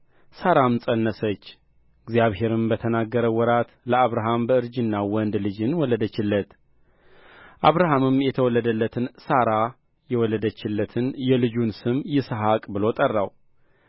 ሣራም ፀነሰች እግዚአብሔርም በተናገረው ወራት ለአብርሃም በእርጅናው ወንድ ልጅን ወለደችለት አብርሃምም የተወለደለትን ሣራ የወለደችለትን የልጁን ስም ይስሐቅ ብሎ ጠራው